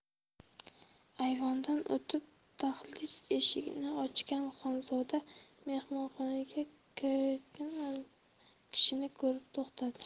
ayvondan o'tib dahliz eshigini ochgan xonzoda mehmonxonaga kirayotgan kishini ko'rib to'xtadi